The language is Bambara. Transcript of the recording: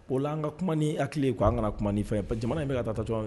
O la an ka kuma ni hakili ye k' an kana kuma ni fɛn ye jamana in bɛ ka taa cogo ye